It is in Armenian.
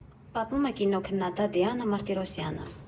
Պատմում է կինոքննադատ Դիանա Մարտիրոսյանը։